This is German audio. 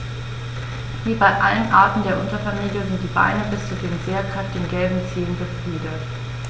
Wie bei allen Arten der Unterfamilie sind die Beine bis zu den sehr kräftigen gelben Zehen befiedert.